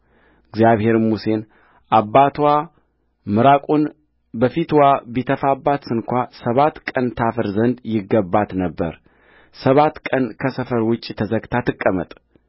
እግዚአብሔርም ሙሴን አባትዋ ምራቁን በፊትዋ ቢተፋባት ስንኳ ሰባት ቀን ታፍር ዘንድ ይገባት ነበር ሰባት ቀን ከሰፈር ውጭ ተዘግታ ትቀመጥ